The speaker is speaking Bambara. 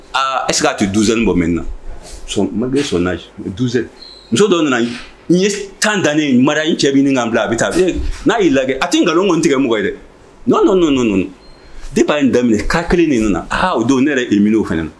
Aa ayise k'a to donso bɔn mɛn na ma son muso dɔ nana n ye tan dan ni mara in cɛ bɛ kan bila a bɛ taa n'a y'i la a tɛ n nkalon ɲɔgɔn tigɛ mɔgɔ ye dɛ n' nɔ de' in daminɛ ka kelen de nana nah o don ne yɛrɛ i minɛ fana